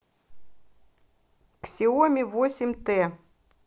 ксиоми восемь т